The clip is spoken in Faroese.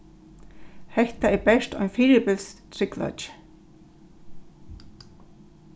hetta er bert ein fyribils tryggleiki